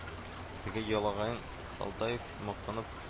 Теге ялагаең Халтаев мактанып